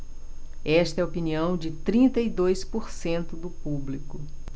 esta é a opinião de trinta e dois por cento do público